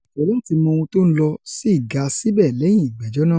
Ìfẹ̀ láti mọ ohun tó ń lọ sì ga síbẹ̀ lẹ́yìn ìgbẹ́jọ́ náà.